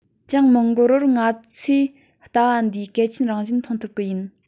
ཅང མི འགོར བར ང ཚོས ལྟ བ འདིའི གལ ཆེན རང བཞིན མཐོང གི ཡིན